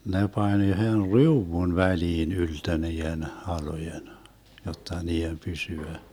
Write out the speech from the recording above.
ne pani yhden riu'un väliin yltö niiden halkojen jotta niiden pysyä